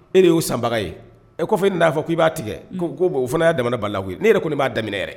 E de y'u sanbaga ye efi n'a fɔ ko i b'a tigɛ ko o fana y'a da bala la ye ne yɛrɛ ko ne b'a daminɛɛrɛ